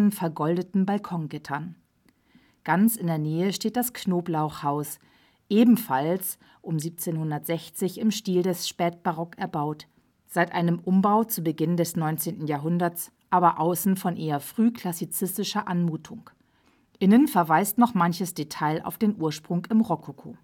vergoldeten Balkongittern. Ganz in der Nähe steht das Knoblauchhaus, ebenfalls um 1760 im Stil des Spätbarock erbaut, seit einem Umbau zu Beginn des 19. Jahrhunderts aber außen von eher frühklassizistischer Anmutung; innen verweist noch manches Detail auf den Ursprung im Rokoko